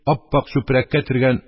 Ап-ак чүпрәккә төргән